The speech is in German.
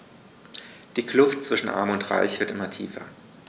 Die Kluft zwischen Arm und Reich wird immer tiefer.